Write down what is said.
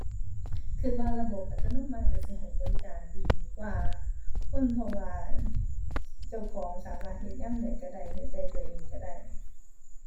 คิดว่าระบบอัตโนมัติคิดสิให้บริการดีกว่าคน เพราะว่า อั่น เจ้าของสามารถเฮ็ดยามใดคิดได้ เฮ็ดด้วยตัวเองคิดได้